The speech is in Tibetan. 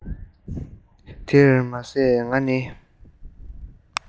དེར མ ཟད ང ནི